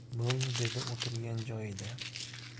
bo'ldi dedi o'tirgan